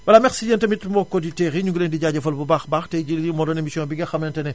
voilà merci yéen tamit mbokki auditeurs yi ñu ngi leen di jaajëfal bu baax a baax tay jii lii moo doon émission bi nga xamante ne